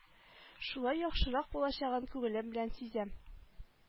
Шулай яхшырак булачагын күңелем белән сизәм